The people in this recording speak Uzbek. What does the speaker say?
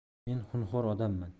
men xunxo'r odamman